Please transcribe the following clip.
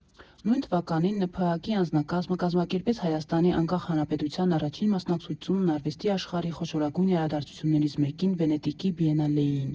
Նույն թվականին ՆՓԱԿ֊ի անձնակազմը կազմակերպեց Հայաստանի անկախ հանրապետության առաջին մասնակցությունն արվեստի աշխարհի խոշորագույն իրադարձություններից մեկին՝ Վենետիկի Բիենալեին։